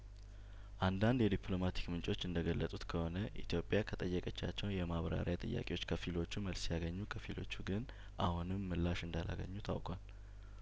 አንዳንድ የዲፕሎማቲክ ምንጮች እንደገለጡት ከሆነ ኢትዮጵያ ከጠየቀቻቸው የማብራሪያ ጥያቄዎች ከፊሎቹ መልስ ሲያገኙ ከፊሎቹ ግን አሁንም ምላሽ እንዳላገኙ ታውቋል